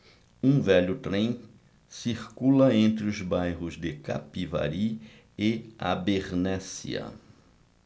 um velho trem circula entre os bairros de capivari e abernéssia